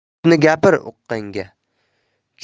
gapni gapir uqqanga